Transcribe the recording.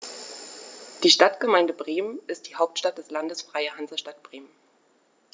Die Stadtgemeinde Bremen ist die Hauptstadt des Landes Freie Hansestadt Bremen.